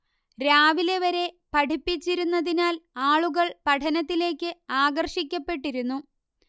രാവിലെ വരെ പഠിപ്പിച്ചിരുന്നതിനാൽ ആളുകൾ പഠനത്തിലേക്ക് ആകർഷിക്കപ്പെട്ടിരുന്നു